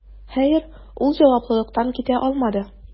Хәер, ул җаваплылыктан китә алмады: